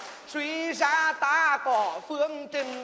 suy ra ta có phương trình